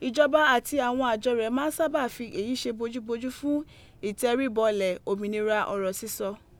Ìjọba àti àwọn àjọ rẹ̀ máa ń sábà fi èyí ṣe bójúbójú fún ìtẹríbọlẹ̀ òmìnira ọ̀rọ̀ sísọ.